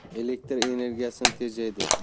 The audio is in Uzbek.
elektr energiyasini tejaydi